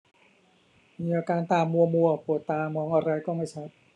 มีอาการตามัวมัวปวดตามองอะไรก็ไม่ชัด